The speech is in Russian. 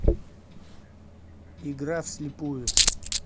игра вслепую